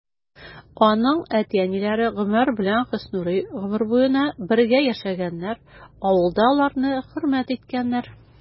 Аның әти-әниләре Гомәр белән Хөснурый гомер буена бергә яшәгәннәр, авылда аларны хөрмәт иткәннәр.